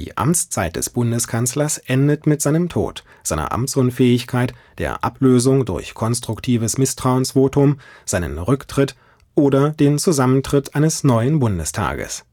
Amtszeit des Bundeskanzlers endet mit seinem Tod, seiner Amtsunfähigkeit, der Ablösung durch konstruktives Misstrauensvotum, seinem Rücktritt oder dem Zusammentritt eines neuen Bundestages